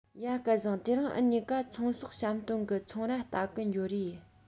ཡ སྐལ བཟང དེ རིང འུ གཉིས ཀ ཚོང ཟོག བཤམས སྟོན གི ཚོང ར ལྟ གི འགྱོ རེས